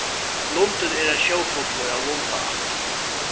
lundin er ein sjófuglur av lundaætt